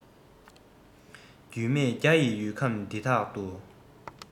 རྒྱུས མེད རྒྱ ཡི ཡུལ ཁམས འདི དག ཏུ